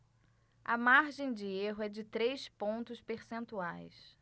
a margem de erro é de três pontos percentuais